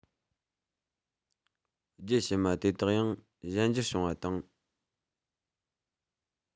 རྒྱུད ཕྱི མ དེ དག ཡང གཞན འགྱུར བྱུང བ དང